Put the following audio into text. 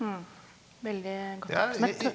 , veldig godt.